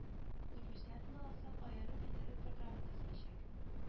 Универсиаданы алсак аерым федераль программа төзеләчәк